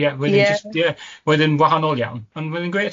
Ie... Ie. ...wedyn jyst ie, wedyn gwahanol iawn, ond wedyn grêt.